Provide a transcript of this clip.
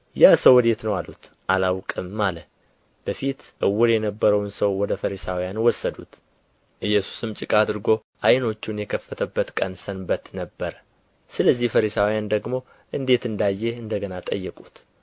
ያ ሰው ወዴት ነው አሉት አላውቅም አለ በፊት ዕውር የነበረውን ሰው ወደ ፈሪሳውያን ወሰዱት ኢየሱስም ጭቃ አድርጎ ዓይኖቹን የከፈተበት ቀን ሰንበት ነበረ ስለዚህ ፈሪሳውያን ደግሞ እንዴት እንዳየ እንደ ገና ጠየቁት